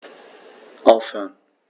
Aufhören.